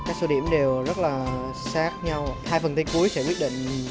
các số điểm đều rất là sát nhau hai phần thi cuối sẽ quyết định